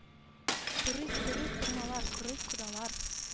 Торыйк торыйк торналар корыйк кодалар